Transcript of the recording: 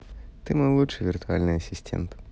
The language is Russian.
ты мой лучший виртуальный ассистент